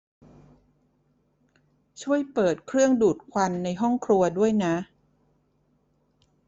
ช่วยเปิดเครื่องดูดควันในห้องครัวด้วยนะ